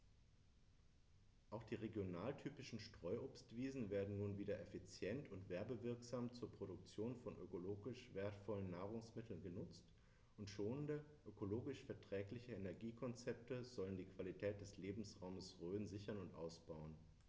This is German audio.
Auch die regionaltypischen Streuobstwiesen werden nun wieder effizient und werbewirksam zur Produktion von ökologisch wertvollen Nahrungsmitteln genutzt, und schonende, ökologisch verträgliche Energiekonzepte sollen die Qualität des Lebensraumes Rhön sichern und ausbauen.